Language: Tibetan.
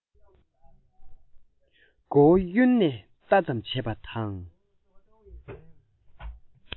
མགོ བོ གཡོན ནས ལྟ ཙམ བྱས པ དང